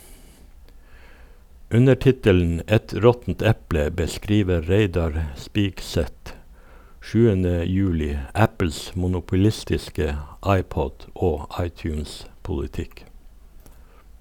Under tittelen "Et råttent eple" beskriver Reidar Spigseth 7. juli Apples monopolistiske iPod- <og iTunes-politikk.